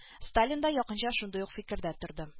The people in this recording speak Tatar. Сталин да якынча шундый ук фикердә торды